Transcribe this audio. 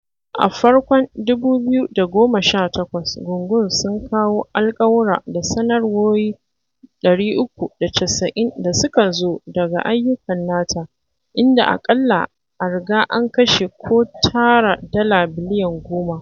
A farkon 2018, gungun sun kawo alƙawura da sanarwowi 390 da suka zo daga ayyukan nata, inda aƙalla a riga an kashe ko tara dala biliyan 10.